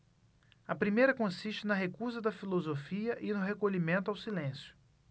a primeira consiste na recusa da filosofia e no recolhimento ao silêncio